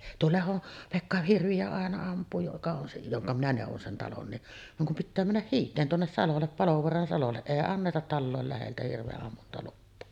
tuo Lehdon Pekka hirviä aina ampuu joka on se jonka minä neuvoin sen talon niin vaan kun pitää mennä hiiteen tuonne salolle Palovaaran salolle ei anneta talojen läheltä hirvenammuntalupaa